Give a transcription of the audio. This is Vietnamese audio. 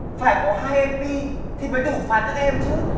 phải có hai em bi thì mới đủ phạt các em chứ